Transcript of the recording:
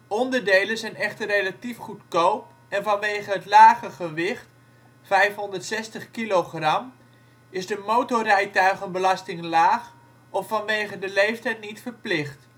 Onderdelen zijn echter relatief goedkoop en vanwege het lage gewicht (560kg) is de motorrijtuigenbelasting laag of vanwege de leeftijd niet verplicht